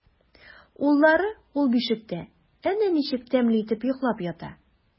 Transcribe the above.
Уллары ул бишектә әнә ничек тәмле итеп йоклап ята!